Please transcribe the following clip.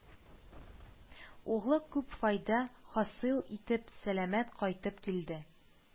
Углы күп файда хасыйл итеп, сәламәт кайтып килде